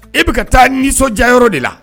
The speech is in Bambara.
E bɛ ka ka taa nisɔndiyayɔrɔ de la